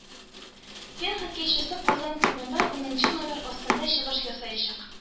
Фин хоккейчысы Казан клубында унынчы номер астында чыгыш ясаячак